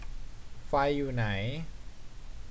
ไฟอยู่ไหน